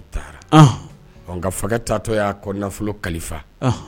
Taatɔ y'a nafolo kalifa